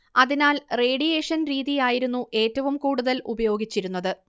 അതിനാൽ റേഡിയേഷൻ രീതിയായിരുന്നു ഏറ്റവും കൂടുതൽ ഉപയോഗിച്ചിരുന്നത്